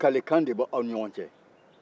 ko kalekan de bɛ aw ni ɲɔgɔn cɛ